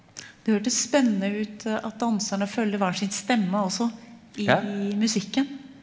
det hørtes spennende ut at danserne følger hver sin stemme, også i musikken.